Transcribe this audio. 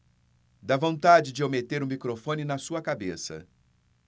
dá vontade de eu meter o microfone na sua cabeça